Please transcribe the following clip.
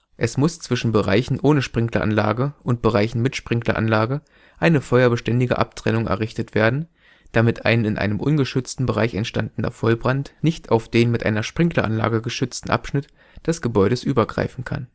Es muss zwischen Bereichen ohne Sprinkleranlage und Bereichen mit Sprinkleranlage eine feuerbeständige Abtrennung errichtet werden, damit ein in einem ungeschützten Bereich entstandener Vollbrand nicht auf den mit einer Sprinkleranlage geschützten Abschnitt des Gebäudes übergreifen kann